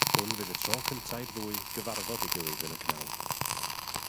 Hwn fydd y tro cynta i'r ddwy gyfarfod ei gilydd yn y cnawd.